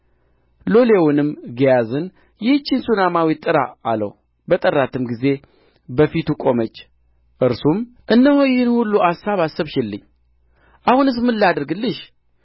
ትንሽ ቤት በሰገነቱ ላይ እንሥራ በዚያም አልጋ ጠረጴዛ ወንበርና መቅረዝ እናኑርለት ወደ እኛም ሲመጣ ወደዚያ ይገባል አለችው አንድ ቀንም ወደዚያ በመጣ ጊዜ ወደ ቤቱ ገብቶ በዚያ ዐረፈ